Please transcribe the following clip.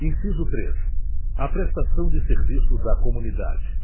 inciso três a prestação de serviços à comunidade